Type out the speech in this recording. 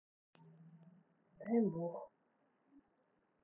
дай бог